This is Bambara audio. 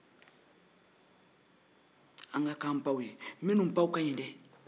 an ka kɛ an baw ye mɛ minnu baw ka ɲi